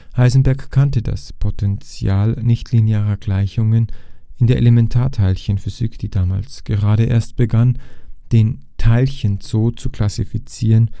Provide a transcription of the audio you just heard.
Heisenberg kannte das Potential nichtlinearer Gleichungen; in der Elementarteilchenphysik, die damals gerade erst begann, den „ Teilchenzoo “zu klassifizieren